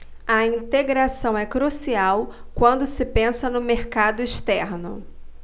a integração é crucial quando se pensa no mercado externo